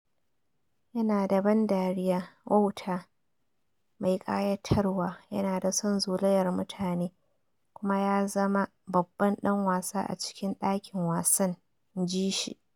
"Yana da ban dariya, wauta, mai ƙayatarwa, yana da son zolayar mutane, kuma ya zama babban dan wasa a cikin dakin wasan," inji shi.